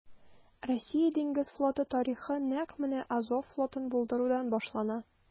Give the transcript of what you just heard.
Россия диңгез флоты тарихы нәкъ менә Азов флотын булдырудан башлана.